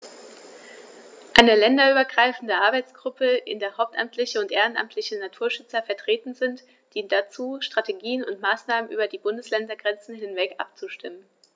Eine länderübergreifende Arbeitsgruppe, in der hauptamtliche und ehrenamtliche Naturschützer vertreten sind, dient dazu, Strategien und Maßnahmen über die Bundesländergrenzen hinweg abzustimmen.